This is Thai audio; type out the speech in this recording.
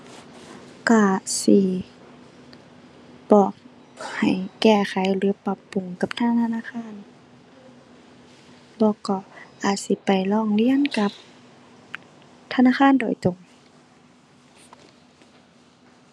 ก็สิบอกให้แก้ไขหรือปรับปรุงกับทางธนาคาร แล้วก็อาจสิไปร้องเรียนกับธนาคารโดยตรง